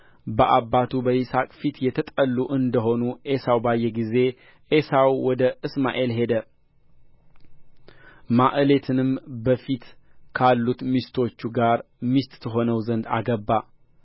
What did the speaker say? በአባቱ በይስሐቅ ፊት የተጠሉ እንደሆኑ ዔሳው ባየ ጊዜ ዔሳው ወደ እስማኤል ሄደ ማዕሌትንም በፊት ካሉት ሚስቶቹ ጋር ሚስት ትሆነው ዘንድ አገባ